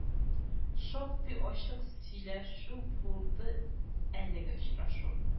Шактый ачык сөйләшү булды әлеге очрашу